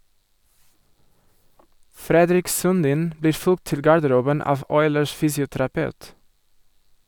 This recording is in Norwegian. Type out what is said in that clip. Fredrik Sundin blir fulgt til garderoben av Oilers' fysioterapeut.